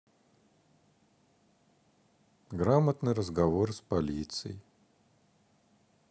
грамотный разговор с полицией